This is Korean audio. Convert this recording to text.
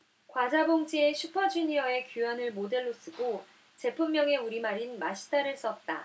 과자 봉지에 슈퍼주니어의 규현을 모델로 쓰고 제품명에 우리말인 맛있다를 썼다